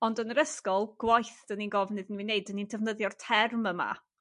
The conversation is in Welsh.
Ond yn yr ysgol gwaith 'dyn ni'n gofyn iddyn nw i neud 'dyn ni'n defnyddio'r term yma.